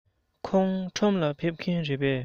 ཁོང ཁྲོམ ལ ཕེབས མཁན རེད པས